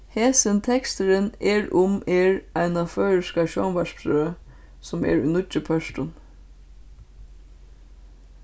hesin teksturin er um er eina føroyska sjónvarpsrøð sum er í níggju pørtum